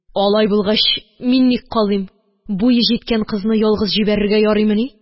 – алай булгач, мин ник калыйм, буе җиткән кызны ялгыз җибәрергә ярыймыни